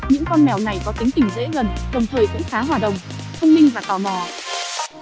những con mèo này có tính tình dễ gần đồng thời cũng khá hòa đồng thông minh và tò mò